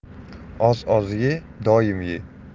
oz oz ye doim ye